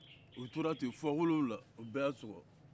u tora ten fɔ wolonwula u bɛɛ y'a sɔgɔ